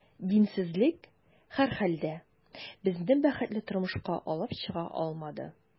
Динсезлек, һәрхәлдә, безне бәхетле тормышка алып чыга алмады.